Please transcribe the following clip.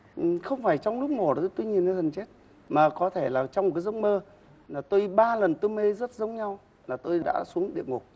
không phải trong lúc mổ mà tôi nhìn thấy thần chết mà có thể là trong một cái giấc mơ mà tôi ba lần tôi mê rất giống nhau là tôi đã xuống địa ngục